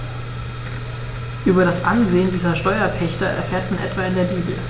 Über das Ansehen dieser Steuerpächter erfährt man etwa in der Bibel.